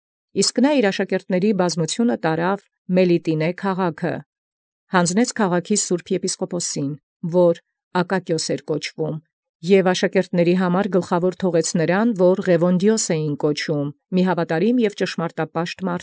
Իսկ նորա զբազմութիւն աշակերտացն տարեալ ի քաղաքն Մելիտինացւոց, յանձն առնէր սրբոյ եպիսկոպոսի քաղաքին, որ Ակակիոսն կոչէին, և գլխաւոր աշակերտացն թողոյր զայն, որում Ղևոնդէոսն կոչէին, այր հաւատարիմ և ճշմարտապաշտ։